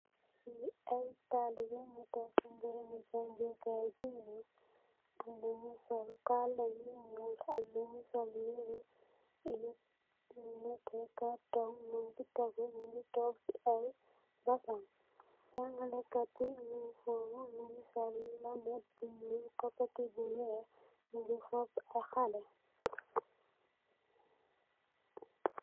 Fi ay talibè nyo toog ci mbèreèmu jàngay deeni, amna nu sol kala yu ñuul, amna nu sol yiré yu nètè. Karton mung fi tégu ñungi toog ci ay basang. Jàngalekat bi mungi fofu mungi sol, lunèt bu ñuul, copoti bu weeh mungi haley.